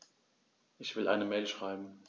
Ich will eine Mail schreiben.